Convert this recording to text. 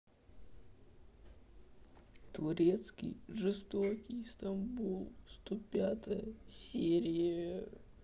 турецкий жестокий стамбул сто пятая серия